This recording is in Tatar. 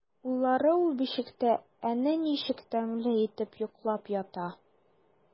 Уллары ул бишектә әнә ничек тәмле итеп йоклап ята!